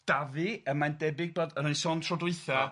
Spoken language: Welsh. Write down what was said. Dafi yy mae'n debyg bod yn ei sôn tro dwytha ia.